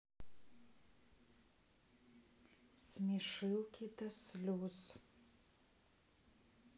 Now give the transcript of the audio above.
смешилки до слез